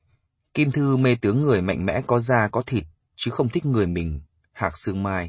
kim thư mê tướng người mạnh mẽ có da có thịt chứ không thích người mình hạc xương mai